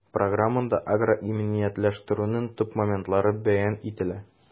Программада агроиминиятләштерүнең төп моментлары бәян ителә.